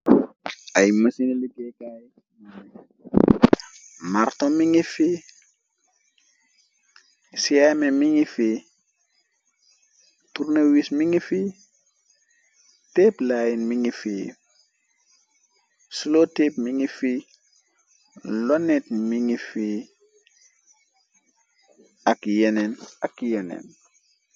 Ay masini ligeey kay marton mi ngi fi same mi ngi fi turnawis mi ngi fi tép line mingi fi slotap mi ngi fi lonet mingi fi ak yenen ak yenen